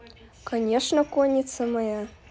конечно конница моя